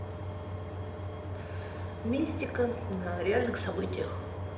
мистика на реальных событиях